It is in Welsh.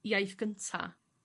iaith gynta.